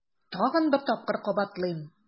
Тагын бер тапкыр кабатлыйм: